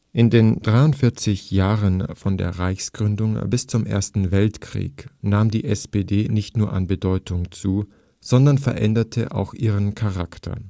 In den 43 Jahren von der Reichsgründung bis zum Ersten Weltkrieg nahm die SPD nicht nur an Bedeutung zu, sondern veränderte auch ihren Charakter